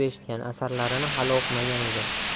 eshitgan asarlarini hali o'qimagan edi